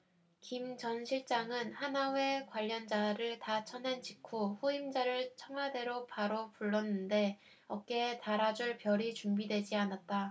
김 전 실장은 하나회 관련자를 다 쳐낸 직후 후임자를 청와대로 바로 불렀는데 어깨에 달아줄 별이 준비되지 않았다